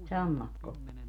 sammakko